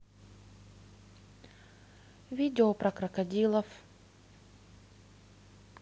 видео про крокодилов